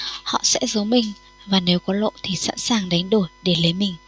họ sẽ giấu mình và nếu có lộ thì sẵn sàng đánh đổi để lấy mình